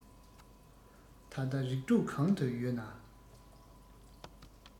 ད ལྟ རིགས དྲུག གང དུ ཡོད ན